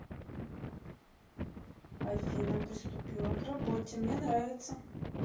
афина приступила к работе мне нравится